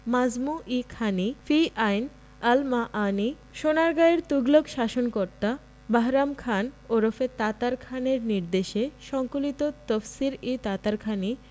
মাজমু ই খানী ফি আইন আল মাআনী সোনারগাঁয়ের তুগলক শাসনকর্তা বাহরাম খান ওরফে তাতার খান এর নির্দেশে সংকলিত তফসির ই তাতারখানী